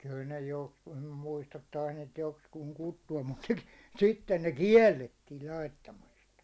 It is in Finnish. kyllä ne joksikin nyt muista taisi niitä joksikin kutsua mutta sitten ne kiellettiin laittamasta